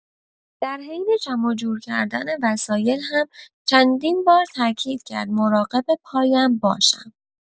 در حین جمع و جور کردن وسایل هم چندین بار تاکید کرد مراقب پایم باشم.